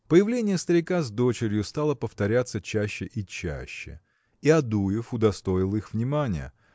Появление старика с дочерью стало повторяться чаще и чаще. И Адуев удостоил их внимания.